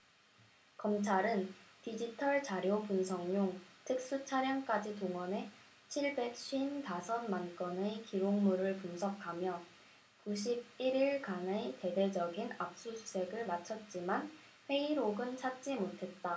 검찰은 디지털자료 분석용 특수차량까지 동원해 칠백 쉰 다섯 만건의 기록물을 분석하며 구십 일 일간의 대대적인 압수수색을 마쳤지만 회의록은 찾지 못했다